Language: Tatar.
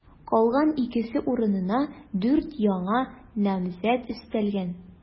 Калган икесе урынына дүрт яңа намзәт өстәлгән.